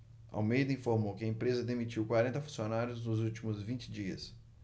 almeida informou que a empresa demitiu quarenta funcionários nos últimos vinte dias